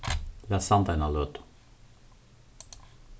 lat standa eina løtu